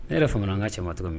Ne yɛrɛ famana an ŋa cɛ ma togomin